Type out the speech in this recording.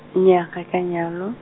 nyaa, ga ke a nyalwa.